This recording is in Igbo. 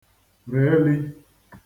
règhelī